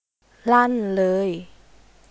ลั่นเลย